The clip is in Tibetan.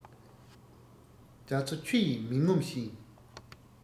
རྒྱ མཚོ ཆུ ཡིས མི ངོམས ཤིང